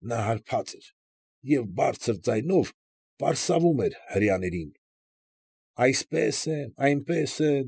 Նա հարբած էր և բարձր ձայնով պարսավում էր հրեաներին. այսպես են, այնպես են։